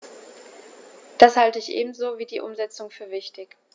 Das halte ich ebenso wie die Umsetzung für wichtig.